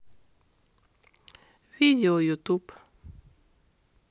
видео ютуб